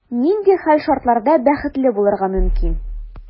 Нинди хәл-шартларда бәхетле булырга мөмкин?